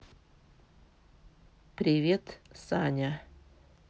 привет саня